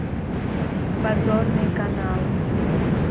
позорный канал